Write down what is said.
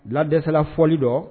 Bila dɛsɛsala fɔli don